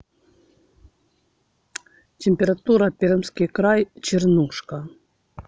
температура пермский край чернушка